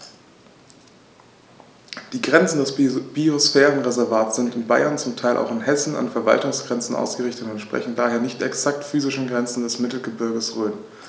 Die Grenzen des Biosphärenreservates sind in Bayern, zum Teil auch in Hessen, an Verwaltungsgrenzen ausgerichtet und entsprechen daher nicht exakten physischen Grenzen des Mittelgebirges Rhön.